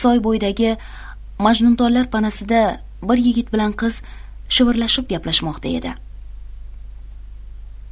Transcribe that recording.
soy bo'yidagi majnuntollar panasida bir yigit bilan qiz shivirlashib gaplashmoqda edi